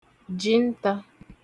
jintā